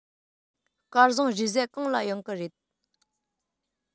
སྐལ བཟང རེས གཟའ གང ལ ཡོང གི རེད